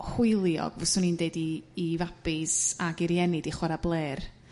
hwyliog fyswn i'n deud i i fabis ag i rieni 'di chwara' blêr.